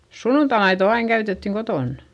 sunnuntaimaito aina käytettiin kotona